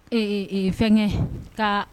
Ee fɛnkɛ ka